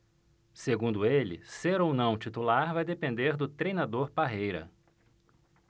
segundo ele ser ou não titular vai depender do treinador parreira